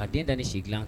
A den tɛ ni sigi dilan kan